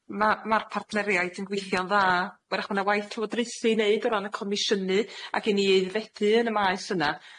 ma' ma'r partneriaid yn gweithio'n dda. 'W'rach bo' 'na waith llywodraethu i neud o ran y comisiynu, ac i ni aeddfedu yn y maes yna.